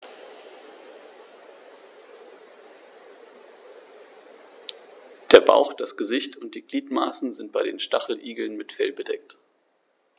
Der Bauch, das Gesicht und die Gliedmaßen sind bei den Stacheligeln mit Fell bedeckt.